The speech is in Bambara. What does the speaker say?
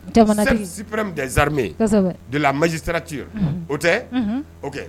Sipreme dɛzarime dela masi sera ci o tɛ o kɛ